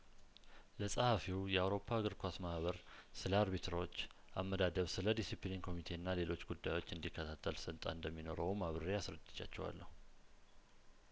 ለጸሀፊው የአውሮፓ እግር ኳስ ማህበር ስለ አርቢትሮች አመዳደብ ስለዲሲፕሊን ኮሚቴና ሌሎች ጉዳዮች እንዲ ከታተል ስልጣን እንደሚኖረውም አብሬ አስረድቻቸዋለሁ